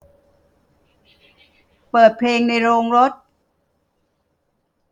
เปิดเพลงในโรงรถ